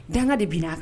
Danga de b bin' kan